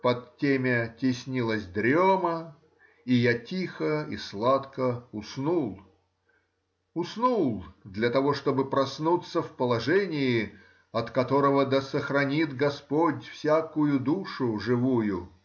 под темя теснилась дрема, и я тихо и сладко уснул — уснул для того, чтобы проснуться в положении, от которого да сохранит господь всякую душу живую!